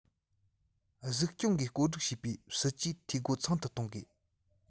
གཟིགས སྐྱོང གིས བཀོད སྒྲིག བྱེད པའི སྲིད ཇུས འཐུས སྒོ ཚང དུ གཏོང དགོས